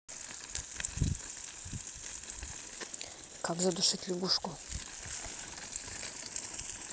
как задушить лягушку